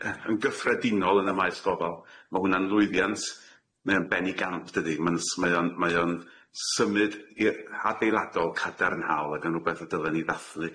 yy yn gyffredinol yn y maes gofal ma' hwnna'n lwyddiant mae o'n benigamp dydi ma'n s- mae o'n mae o'n symud i'r adeiladol, cadarnhaol ag yn rwbeth y dylen ni ddathlu.